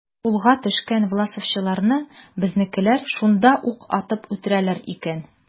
Кулга төшкән власовчыларны безнекеләр шунда ук атып үтерәләр икән.